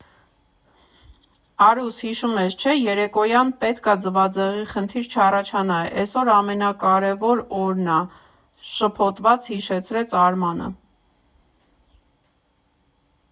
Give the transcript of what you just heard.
Արուս, հիշում ես չէ՞՝ երեկոյան պետք ա ձվածեղի խնդիր չառաջանա, էսօր ամենակարևոր օրն ա, ֊ շփոթված հիշեցրեց Արմանը։